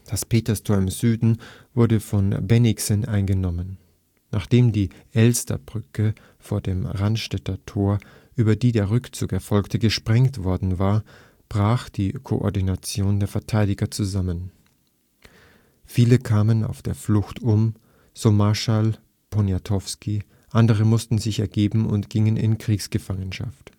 das Peterstor im Süden wurde von Bennigsen genommen. Nachdem die Elsterbrücke vor dem Ranstädter Tor, über die der Rückzug erfolgte, gesprengt worden war, brach die Koordination der Verteidiger zusammen. Viele kamen auf der Flucht um, so Marschall Poniatowski; andere mussten sich ergeben und gingen in Kriegsgefangenschaft